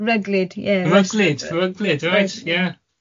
Ryglyd, ie... Ryglyd, ryglyd. Reit, ie.